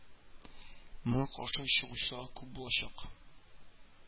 Моңа каршы чыгучылар күп булачак